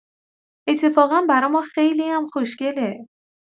اتفاقا برا ما خیلیم خوشگله